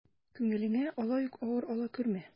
Күңелеңә алай ук авыр ала күрмә.